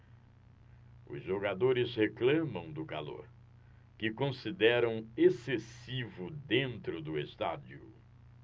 os jogadores reclamam do calor que consideram excessivo dentro do estádio